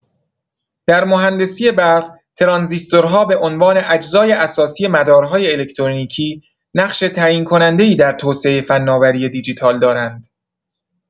در مهندسی برق، ترانزیستورها به‌عنوان اجزای اساسی مدارهای الکترونیکی، نقش تعیین‌کننده‌ای در توسعه فناوری دیجیتال دارند.